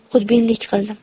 xudbinlik qildim